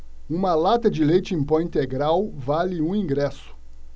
uma lata de leite em pó integral vale um ingresso